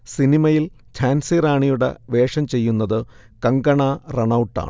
സിനിമയിൽ ഝാൻസി റാണിയുടെ വേഷം ചെയ്യുന്നത് കങ്കണ റണൗട്ടാണ്